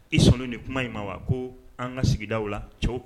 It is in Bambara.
I sɔnna ni kuma in ma wa? ko an ka sigidaw la cw